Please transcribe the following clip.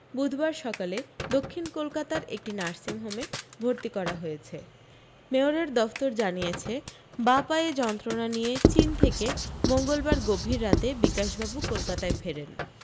বুধবার সকালে দক্ষিণ কলকাতার একটি নার্সিংহোমে ভর্তি করা হয়েছে মেয়রের দফতর জানিয়েছে বাঁ পায়ে যন্ত্রণা নিয়ে চীন থেকে মঙ্গলবার গভীর রাতে বিকাশবাবু কলকাতায় ফেরেন